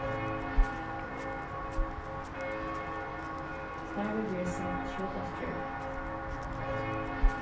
starvið verður sett skjótast gjørligt